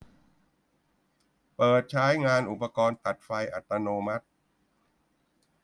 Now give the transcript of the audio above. เปิดใช้งานอุปกรณ์ตัดไฟอัตโนมัติ